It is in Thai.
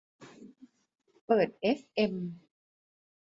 เปิดเอฟเอ็ม